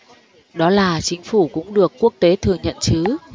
đó là chính phủ cũng được quốc tế thừa nhận chứ